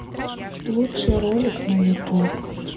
лучший ролик на ютуб